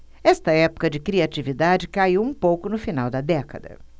esta época de criatividade caiu um pouco no final da década